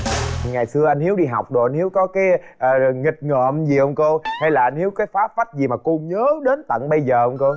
ngày xưa anh hiếu đi học đồ anh hiếu có cái nghịch ngợm gì không cô hay là anh hiếu có phá phách gì mà cô nhớ đến tận bây giờ không cô